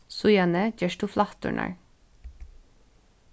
síðani gert tú flætturnar